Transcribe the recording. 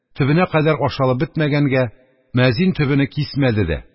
Төбенә кадәр ашалып бетмәгәнгә, мөәззин төбене кисмәде дә.